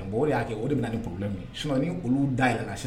Bon o de y'a kɛ o de bɛna nin problème ye sinon ni olu da yɛlɛ s